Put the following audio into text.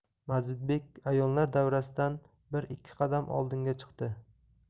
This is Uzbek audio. mazidbek ayonlar davrasidan bir ikki qadam oldinga chiqdi